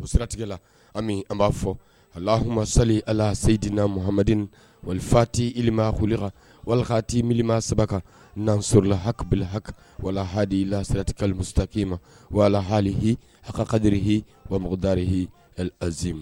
O siratila ami an b'a fɔ hama sa ala seyidina muhad walifati ima hakililla walasati milima saba kan naansola hab ha walahalayitika mutaki ma walahaaalhi hakadri h wadari hze